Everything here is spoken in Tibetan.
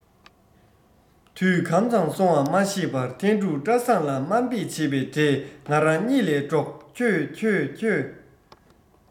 དུས གང ཙམ སོང བ མ ཤེས པར ཐན ཕྲུག བཀྲ བཟང ལ དམའ འབེབས བྱེད པའི སྒྲས ང རང གཉིད ལས དཀྲོགས ཁྱོད ཁྱོད ཁྱོད